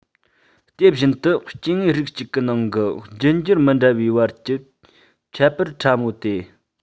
དེ བཞིན དུ སྐྱེ དངོས རིགས གཅིག གི ནང གི རྒྱུད འགྱུར མི འདྲ བའི བར གྱི ཁྱད པར ཕྲ མོ དེ